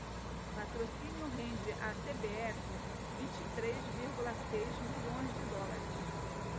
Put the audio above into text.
patrocínio rende à cbf vinte e três vírgula seis milhões de dólares